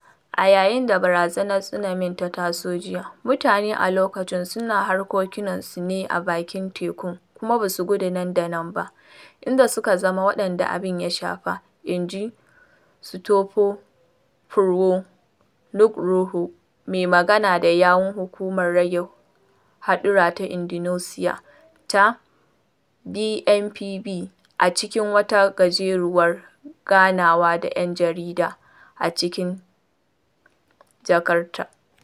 “A yayin da barazanar tsunamin ta taso jiya, mutane a loƙacin suna harkokinasu ne a bakin tekun kuma ba su gudu nan da nan ba inda suka zama waɗanda abin ya shafa,” inji Sutopo Purwo Nugroho, mai magana da yawun hukumar rage haɗura ta Indonesiya ta BNPB a cikin wata gajeruwar ganawa da ‘yan jarida a cikin Jakarta.